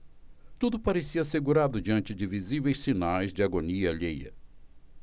tudo parecia assegurado diante de visíveis sinais de agonia alheia